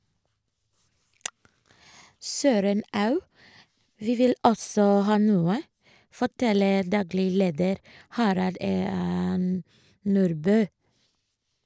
"Søren au - vi vil også ha noe!" forteller daglig leder Harald E. Nordbø.